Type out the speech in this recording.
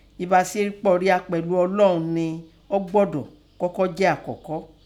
Ẹ̀basepo ria pelu Oloun nẹ ọ́ gbọ́dọ̀ kọkọ́ je akoko